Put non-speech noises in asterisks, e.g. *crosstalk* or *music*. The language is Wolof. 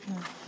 *hesitation*